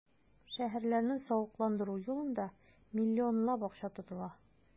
Шәһәрләрне савыкландыру юлында миллионлап акча тотыла.